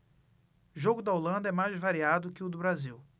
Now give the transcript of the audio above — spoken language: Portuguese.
jogo da holanda é mais variado que o do brasil